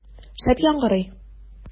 Шәп яңгырый!